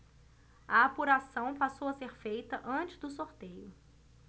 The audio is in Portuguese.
a apuração passou a ser feita antes do sorteio